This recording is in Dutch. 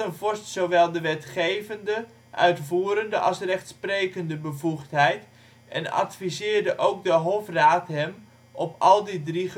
vorst zowel de wetgevende, uitvoerende als rechtsprekende bevoegheid en adviseerde ook de hofraad hem op al die drie gebieden